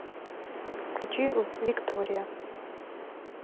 включи в виктория